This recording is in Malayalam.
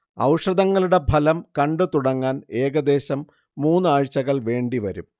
ഔഷധങ്ങളുടെ ഫലം കണ്ടുതുടങ്ങാൻ ഏകദേശം മൂന്നാഴ്ചകൾ വേണ്ടിവരും